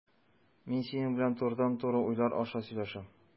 Мин синең белән турыдан-туры уйлар аша сөйләшәм.